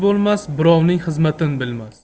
bo'lmas birovning xizmatin bilmas